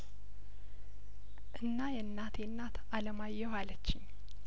እና የእናቴ እናት አለማየሁ አለችኝ